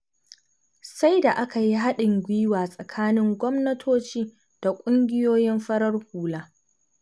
Sai da aka yi haɗin gwiwa tsakanin gwamnatoci da ƙungiyoyin farar hula.